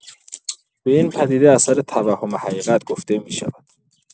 به این پدیده اثر توهم حقیقت گفته می‌شود.